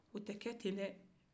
o tɛ kɛ ten dɛ